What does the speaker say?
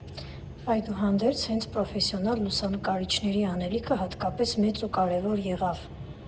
Այդուհանդերձ, հենց պրոֆեսիոնալ լուսանկարիչների անելիքը հատկապես մեծ ու կարևոր եղավ։